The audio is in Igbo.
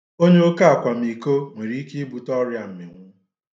Onye oke akwamiko nwere ike ibute ọrịa mminwụ